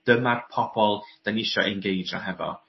Dyma'r pobol 'dan ni isio engeidsio hefo.